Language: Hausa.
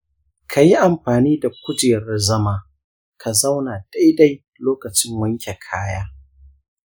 ka yi amfani da kujerar zama ka zauna daidai lokacin wanke kaya.